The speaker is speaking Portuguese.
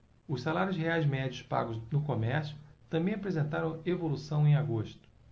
os salários reais médios pagos no comércio também apresentaram evolução em agosto